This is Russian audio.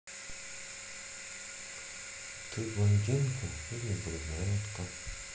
ты блондинка или брюнетка